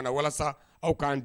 Nana walasa aw k'